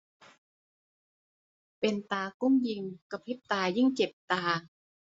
เป็นตากุ้งยิงกระพริบตายิ่งเจ็บตา